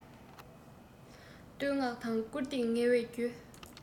བསྟོད བསྔགས དང བཀུར བསྟི ངལ བའི རྒྱུ